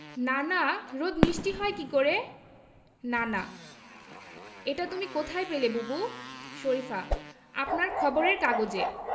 নানা রোদ মিষ্টি হয় কী করে নানা এটা তুমি কোথায় পেলে বুবু শরিফা আপনার খবরের কাগজে